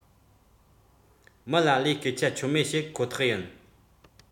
མི ལ ལས སྐད ཆ ཆོ མེད བཤད ཁོ ཐག ཡིན